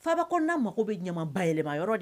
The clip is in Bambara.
Fa ko na mago bɛ ɲama ba yɛlɛma